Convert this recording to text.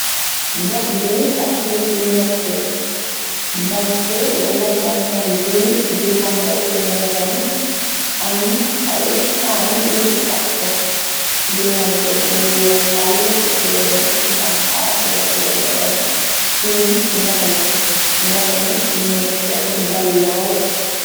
dex gi ak yi li nèkka bant wala gañ-cax gi di langal seeni ren am ay pañ yi ci taxx di lang mungi wèèx tàll ci seeni banxas wala seeni ren tiim ndox mi, ndox mi mung ne tek dal lool.